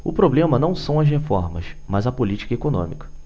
o problema não são as reformas mas a política econômica